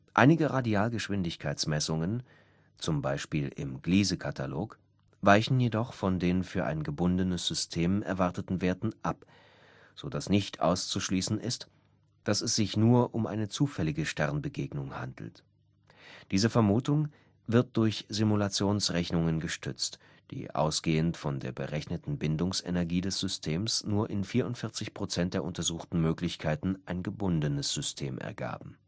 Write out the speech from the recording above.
Einige Radialgeschwindigkeitsmessungen, z. B. im Gliese-Katalog, weichen jedoch von den für ein gebundenes System erwarteten Werten ab, so dass nicht auszuschließen ist, dass es sich nur um eine zufällige Sternbegegnung handelt. Diese Vermutung wird durch Simulationsrechnungen gestützt, die ausgehend von der berechneten Bindungsenergie des Systems nur in 44 Prozent der untersuchten Möglichkeiten ein gebundenes System ergaben